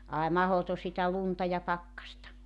ai mahdoton sitä lunta ja pakkasta